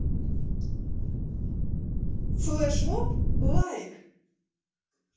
флешмоб лайк